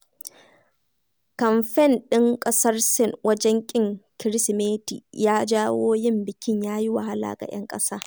Kamfen ɗin ƙasar Sin wajen ƙin Kirsimeti ya jawo yin bikin ya yi wahala ga 'yan ƙasa